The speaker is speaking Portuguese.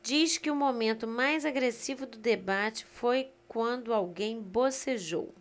diz que o momento mais agressivo do debate foi quando alguém bocejou